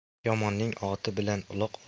yomonning oti bilan uloq